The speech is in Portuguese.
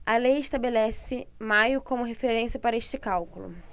a lei estabelece maio como referência para este cálculo